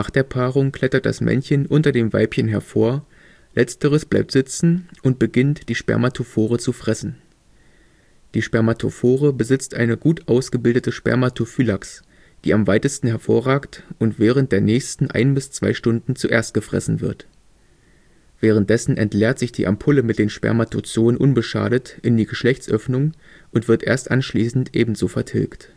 der Paarung klettert das Männchen unter dem Weibchen hervor, letzteres bleibt sitzen und beginnt die Spermatophore zu fressen. Die Spermatophore besitzt eine gut ausgebildete Spermatophylax, die am weitesten hervorragt und während der nächsten ein bis zwei Stunden zuerst gefressen wird. Währenddessen entleert sich die Ampulle mit den Spermatozoen unbeschadet in die Geschlechtsöffnung und wird erst anschließend ebenso vertilgt